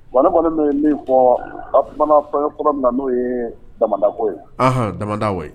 Wa ne kɔni ne bɛ min fɔ fa fɔlɔ min na n'o ye da bɔ ye dada wa ye